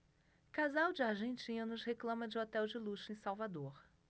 casal de argentinos reclama de hotel de luxo em salvador